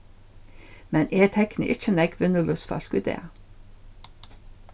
men eg tekni ikki nógv vinnulívsfólk í dag